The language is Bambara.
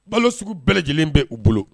Balo sugu bɛɛ lajɛlen bɛ u bolo